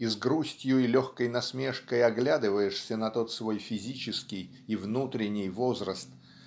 и с грустью и легкой насмешкой оглядываешься на тот свой физический и внутренний возраст